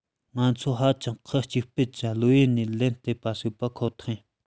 ང ཚོ ཧ ཅང ཁག གཅིག སྤེལ གྱི བློ ཡུལ ནས ལན བཏབ པ ཞིག པ ཁོ ཐག རེད